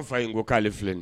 N fa ye ko k'ale filɛlen ye